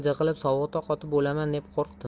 jig'ilib sovuqda qotib o'laman deb qo'rqdim